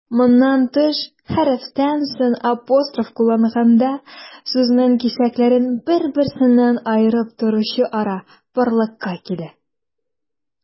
Моннан тыш, хәрефтән соң апостроф кулланганда, сүзнең кисәкләрен бер-берсеннән аерып торучы ара барлыкка килә.